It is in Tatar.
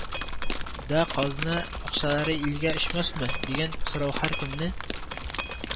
Да казна акчалары илгә очмасмы, дигән сорау һәркемне